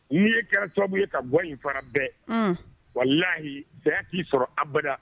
N'i ye kɛra sababu ye ka bɔ in fara bɛɛ wa lahiyi bɛɛ k'i sɔrɔ abada